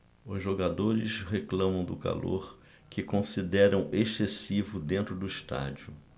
os jogadores reclamam do calor que consideram excessivo dentro do estádio